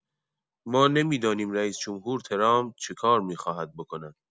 ما نمی‌دانیم رئیس‌جمهور ترامپ چه کار می‌خواهد بکند.